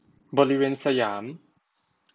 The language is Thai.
บริเวณสยาม